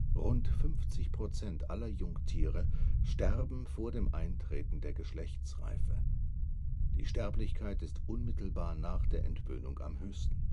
Rund 50 % aller Jungtiere sterben vor dem Eintreten der Geschlechtsreife, die Sterblichkeit ist unmittelbar nach der Entwöhnung am höchsten